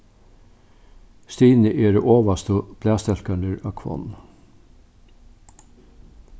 stigini eru ovastu blaðstelkarnir á hvonn